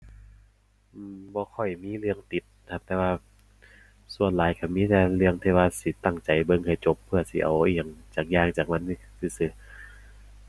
อือ บ่ค่อยมีเรื่องติดครับ แต่ว่าส่วนหลายก็มีแต่เรื่องที่ว่าสิตั้งใจเบิ่งให้จบเพื่อสิเอาอิหยังจักอย่างจากมันหนิซื่อซื่อ